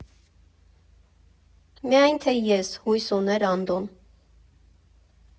«Միայն թե ես», հույս ուներ Անդոն։